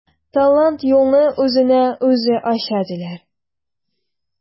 Талант юлны үзенә үзе ача диләр.